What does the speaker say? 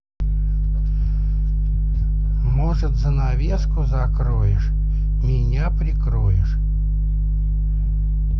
может занавеску закроешь меня прикроешь